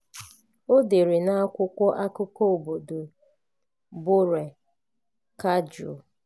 O dere n'akwụkwọ akụkọ obodo Bhorer Kagoj: